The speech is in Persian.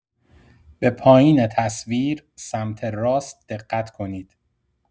به پایین تصویر، سمت راست دقت کنید.